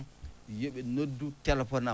yo ɓe noddu téléphone am